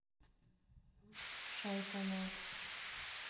шайтанат